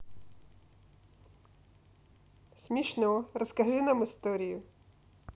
смешно расскажи нам историю